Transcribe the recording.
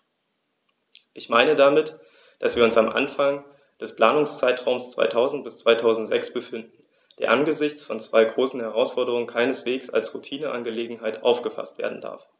Ich meine damit, dass wir uns am Anfang des Planungszeitraums 2000-2006 befinden, der angesichts von zwei großen Herausforderungen keineswegs als Routineangelegenheit aufgefaßt werden darf.